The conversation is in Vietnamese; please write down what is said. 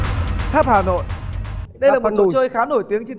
tháp hà nội đây là món trò chơi khá nổi tiếng trên